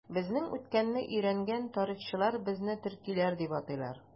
Безнең үткәнне өйрәнгән тарихчылар безне төркиләр дип атыйлар.